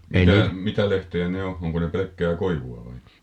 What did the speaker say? mitä mitä lehteä ne on onko ne pelkkää koivua vai